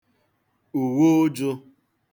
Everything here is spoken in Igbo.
ùwe ụjụ̄